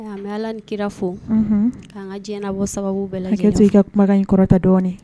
Ala ni kira fo bɔ sababu bɛɛ to' i ka kuma in kɔrɔta dɔɔnin